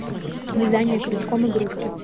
вязание крючком игрушки